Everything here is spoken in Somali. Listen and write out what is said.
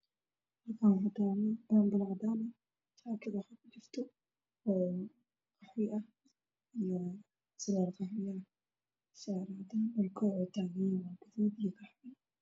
Waa carwo waxaa ii muuqda suud. Shaati cadaan ah